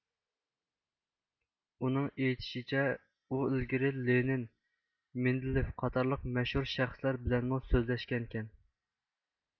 ئۇنىڭ ئېيتىشىچە ئۇئىلگىرى لېنىن مىندىلېف قاتارلىق مەشھۇر شەخسلەر بىلەنمۇ سۆزلەشكەنىكەن